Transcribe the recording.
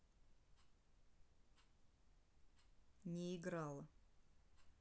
не играла